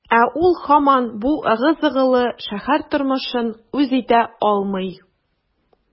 Ә ул һаман бу ыгы-зыгылы шәһәр тормышын үз итә алмый.